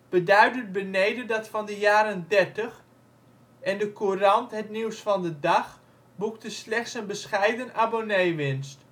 beduidend beneden dat van de jaren dertig en De Courant-Het Nieuws van den Dag boekte slechts een bescheiden abonneewinst